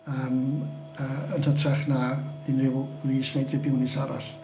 Yym yy yn hytrach na unrhyw lys neu dribiwnlys arall.